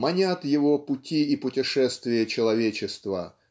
Манят его пути и путешествия человечества